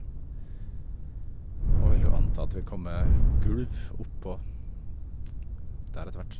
Og vil jo anta at det vil komme gulv oppå der etter hvert.